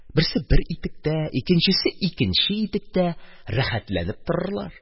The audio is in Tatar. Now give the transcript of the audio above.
Берсе бер итектә, икенчесе икенче итектә рәхәтләнеп торырлар.